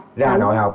ra hà nôi học